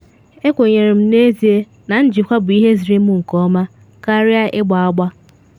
“Ekwenyere n’ezie na njikwa bụ ihe ziri m nke ọma, karịa ịgba agba.